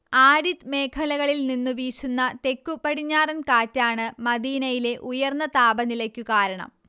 arid മേഖലകളിൽ നിന്നു വീശുന്ന തെക്കുപടിഞ്ഞാറൻ കാറ്റാണ് മദീനയിലെ ഉയർന്ന താപനിലയ്ക്കു കാരണം